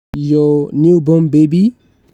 Your newborn baby?